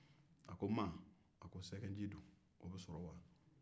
a ko ma sɛgɛji be sɔrɔ wa